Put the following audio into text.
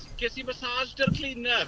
Ges i fasaj 'da'r cleaner.